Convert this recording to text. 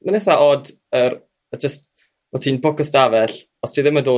ma'n 'itha' oed yr jyst o ti'n bwcio 'stafell os ti ddim yn dod